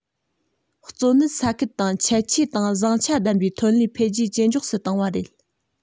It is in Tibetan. གཙོ གནད ས ཁུལ དང ཁྱད ཆོས དང བཟང ཆ ལྡན པའི ཐོན ལས འཕེལ རྒྱས ཇེ མགྱོགས སུ བཏང བ རེད